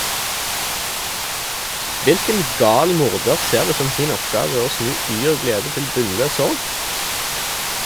Hvilken gal morder ser det som sin oppgave å snu yr glede til bunnløs sorg?